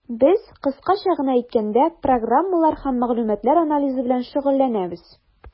Без, кыскача гына әйткәндә, программалар һәм мәгълүматлар анализы белән шөгыльләнәбез.